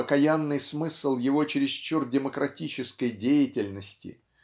покаянный смысл его чересчур демократической деятельности